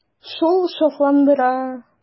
Шул шатландыра.